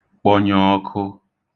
kpọ̄nyē ọ̄kụ̄